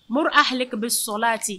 Mori a hakili tun bɛ sɔlati